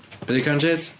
Be 'di cân shit?